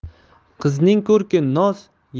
qizning ko'rki noz